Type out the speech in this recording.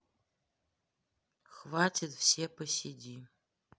хватит все посиди